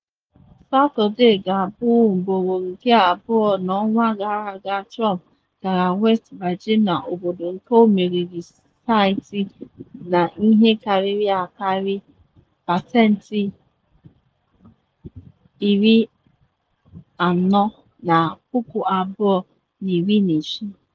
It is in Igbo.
Satọde ga-abụ ugboro nke abụọ n’ọnwa gara aga Trump gara West Virginia, obodo nke o meriri site na ihe karịrị akara pesentị 40 na 2016.